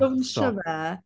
Dawnsio 'ma?